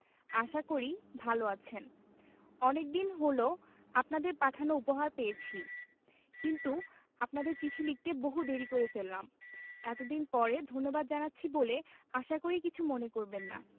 আশা করি ভালো আছেন অনেকদিন হল আপনাদের পাঠানো উপহার পেয়েছি কিন্তু আপনাদের চিঠি লিখতে বহু দেরী করে ফেললাম এতদিন পরে ধন্যবাদ জানাচ্ছি বলে আশা করি কিছু মনে করবেন না